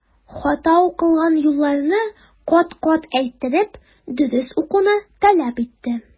Хата укылган юлларны кат-кат әйттереп, дөрес укуны таләп итте.